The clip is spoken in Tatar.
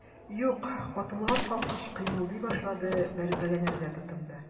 Юк, атылган аккош кыймылдый башлады, бәргәләнергә тотынды.